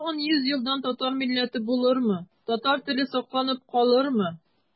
Тагын йөз елдан татар милләте булырмы, татар теле сакланып калырмы?